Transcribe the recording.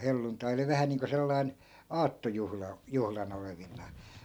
helluntai oli vähän niin kuin sellainen aattojuhla juhlan olevinaan